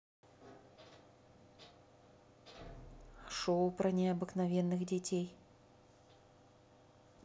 шоу про необыкновенных детей